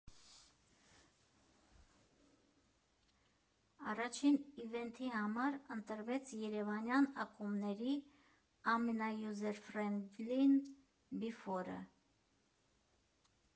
Առաջին իվենթի համար ընտրվեց երևանյան ակումբների ամենայուզերֆրենդլին՝ Բիֆորը։